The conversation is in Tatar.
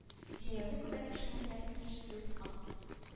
Җәяүле күбәләк шигырьләр кереш сүз авт